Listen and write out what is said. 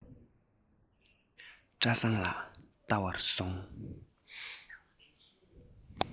བཀྲ བཟང ལ བལྟ བར སོང